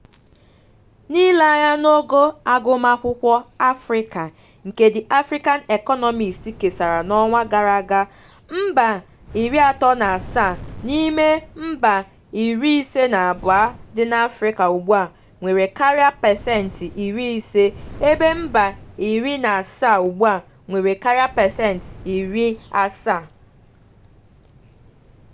N'ile anya n'ogo agụmakwụkwọ Africa nke The African Economist kesara n'ọnwa gara aga, mba 37 n'ime mba 52 dị n'Afrịka ugbua nwere karịa pasenti 50, ebe mba 17 ugbua nwere karịa pasenti 70.